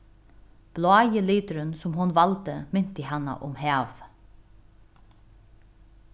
blái liturin sum hon valdi minti hana um havið